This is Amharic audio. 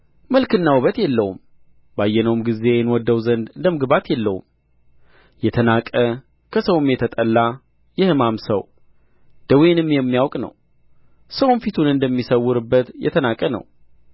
መልክና ውበት የለውም ባየነውም ጊዜ እንወድደው ዘንድ ደም ግባት የለውም የተናቀ ከሰውም የተጠላ የሕማም ሰው ደዌንም የሚያውቅ ነው ሰውም ፊቱን እንደሚሰውርበት የተናቀ ነው